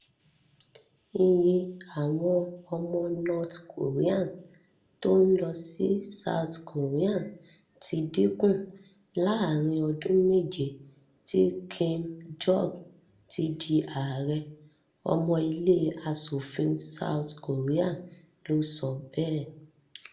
Iye àwọn ọmọ North korea t’ọ́n lọ si South Korea ti dínkù láàrin ọdún méje tí Kim Jong-un ti di ààrẹ. Ọmọ ile-aṣòfin South Korea ló sọ bẹ́ẹ̀.